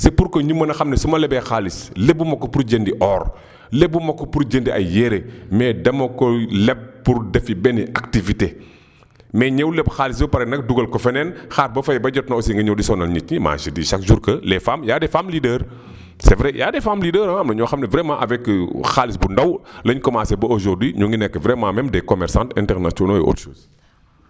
c' est pour que ñu mën a xam ne su ma lebee xaalis lebu ma ko pour jëndi or lebu ma ko pour jëndi ay yére mais dama koy leb pour def fi benn activité mais ñëw leb xaalis ba pare nag duggal ko feneen xaar ba fay ba jot na aussi nga ñëw di sonal nit ñi moi je dis chaque jour que les femmes y a des femmes leaser c' est vrai y a des femmes leader am na ñoo xam ne vraiment avec xaalis bu ndaw lañ commencé ba aujourd' hui ñu ngi nekk vraiment même des commerçantes internationaux et autre chose